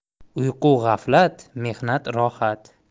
uyqu g'aflat mehnat rohat